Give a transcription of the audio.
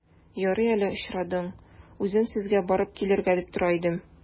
Ярый әле очрадың, үзем сезгә барып килергә дип тора идем.